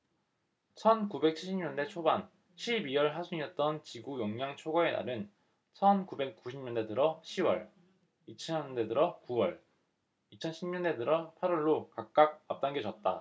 천 구백 칠십 년대 초반 십 이 월 하순이었던 지구 용량 초과의 날은 천 구백 구십 년대 들어 시 월 이천 년대 들어 구 월 이천 십 년대 들어 팔 월로 각각 앞당겨졌다